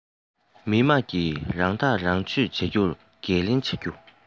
མི དམངས ཀྱིས རང ཐག རང གཅོད བྱ རྒྱུར འགན ལེན བྱ རྒྱུ